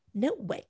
No way.